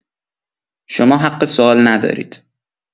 شما حق سوال ندارید.